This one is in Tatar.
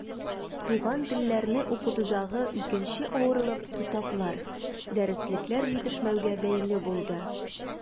Туган телләрне укытудагы икенче авырлык китаплар, дәреслекләр җитешмәүгә бәйле булды.